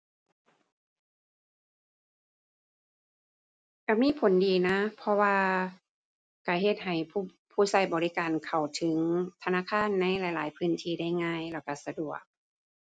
ก็มีผลดีนะ เพราะว่าก็เฮ็ดให้ ผู้ ผู้ก็บริการเข้าถึงธนาคารในหลายหลายพื้นที่ได้ง่ายแล้วก็สะดวก